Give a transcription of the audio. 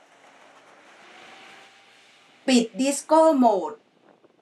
ปิดดิสโก้โหมด